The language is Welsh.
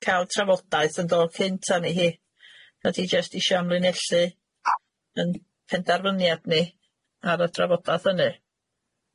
I ca'l trafodaeth yn ddol cynta ni hi nadi jyst isio ymlinellu yn penderfyniad ni ar y drafodath hynny.